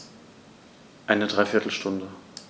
Eine dreiviertel Stunde